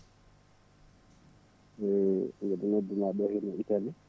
e mbiɗa nodduma ɗo e Italie